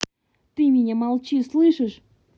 ты меня молчи слышишь